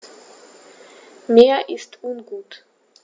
Mir ist ungut.